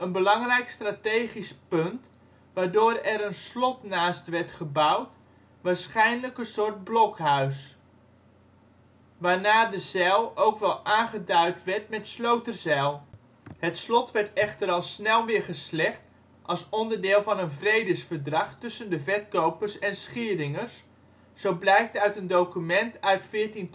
belangrijk strategisch punt, waardoor er een slot naast werd gebouwd (waarschijnlijk meer een soort blokhuis), waarna de zijl ook wel aangeduid werd met ' sloterzijl '. Het slot werd echter al snel weer geslecht als onderdeel van een vredesverdrag tussen de Vetkopers en Schieringers, zo blijkt uit een document uit 1432. Ook in 1438